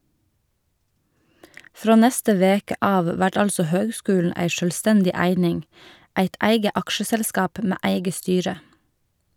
Frå neste veke av vert altså høgskulen ei sjølvstendig eining, eit eige aksjeselskap med eige styre.